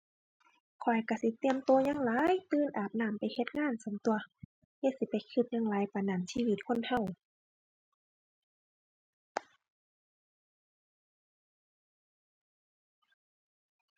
ข้อยก็สิเตรียมก็หยังหลาย ตื่น อาบน้ำ ไปเฮ็ดงานซั้นตั่ว อย่าสิไปก็หยังหลายปานนั้น ชีวิตคนก็